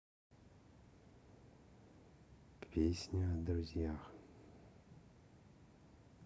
песня о друзьях